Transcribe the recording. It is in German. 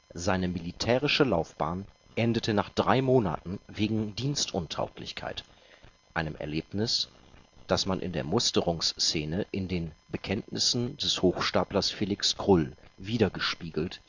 Seine militärische Laufbahn endete nach drei Monaten wegen Dienstuntauglichkeit – einem Erlebnis, das man in der Musterungsszene in den Bekenntnissen des Hochstaplers Felix Krull widergespiegelt